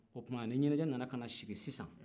o tuma ni ɲɛnajɛ nana kaa sigi sisan